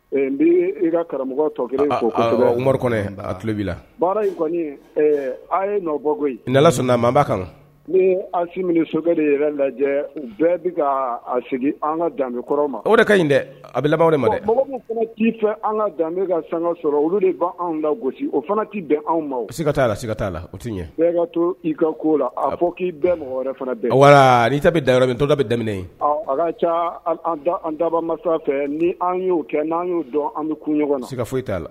N i ka karamɔgɔ a tulolobi in a yebɔkɔ sɔnna b'a kansi minɛ sokɛ de yɛrɛ lajɛ u bɛɛ bɛ ka a segin an ka danbe kɔrɔ ma o de ka ɲi dɛ abi laban ma dɛ' fɛ an ka ka sanka sɔrɔ olu de ka gosi o fana'i bɛn anw ma se ka'a la se ka t'a la o tɛ ɲɛ ka to i ka ko la a ko k'i bɛn wɛrɛ fana bɛn wa ni'i ta da yɔrɔ min toda bɛ daminɛ ka ca an daba masa fɛ ni an'o kɛ n'an y'o dɔn an bɛ kun ɲɔgɔn se ka foyi t'a la